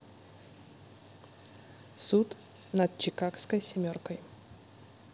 суд над чикагской семеркой